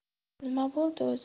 nima bo'ldi o'zi